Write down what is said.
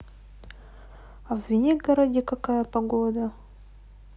а в звенигороде какая погода